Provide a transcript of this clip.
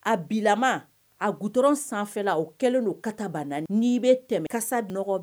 A a gt sanfɛ o kɛlen don kata banna bɛ tɛmɛ kasa nɔgɔɔgɔ